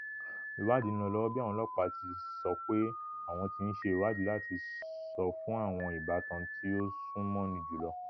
Ìwádìí ń lọ lọ́wọ́ bí àwọn ọlọ́pàá ti sọ pé àwọn ti ń ṣe ìwádìí láti sọ fún àwọn ìbátan tí ó sún mọ́ni jùlọ.